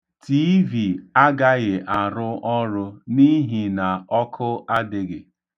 Tiivi agaghị arụ ọrụ n'ihi na ọkụ adịghị.